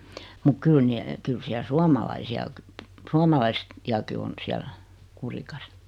mutta kyllä niin kyllä siellä suomalaisia -- suomalaisiakin on siellä Kurikassa